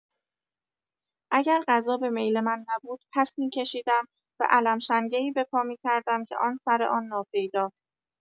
اگر غذا به میل من نبود، پس می‌کشیدم و الم شنگه‌ای به پا می‌کردم که آن سر آن ناپیدا.